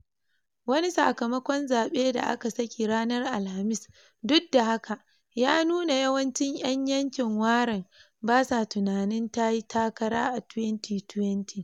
Wani sakamakon zabe da aka saki ranar Alhamis, duk da haka, ya nuna yawancin ‘yan yankin Warren basa tunanin tayi takara a 2020.